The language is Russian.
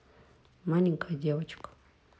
маленькая девочка